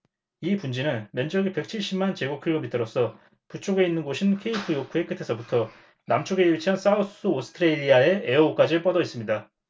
이 분지는 면적이 백 칠십 만 제곱 킬로미터로서 북쪽에 있는 곶인 케이프요크의 끝에서부터 남쪽에 위치한 사우스오스트레일리아의 에어 호까지 뻗어 있습니다